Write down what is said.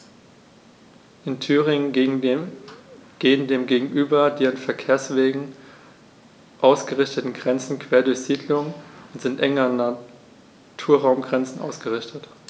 In Thüringen gehen dem gegenüber die an Verkehrswegen ausgerichteten Grenzen quer durch Siedlungen und sind eng an Naturraumgrenzen ausgerichtet.